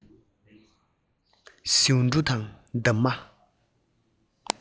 ཟེའུ འབྲུ དང འདབ མ